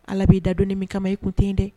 Ala b'i dadonni min kama i kun tɛ dɛ